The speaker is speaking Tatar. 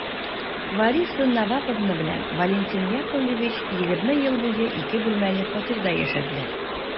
Вәриса Наваповна белән Валентин Яковлевич егерме ел буе ике бүлмәле фатирда яшәделәр.